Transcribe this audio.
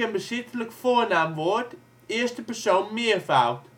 bezittelijk voornaamwoord eerste persoon meervoud